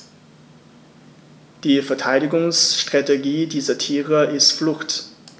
Die Verteidigungsstrategie dieser Tiere ist Flucht.